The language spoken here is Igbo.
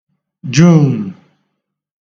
Juūn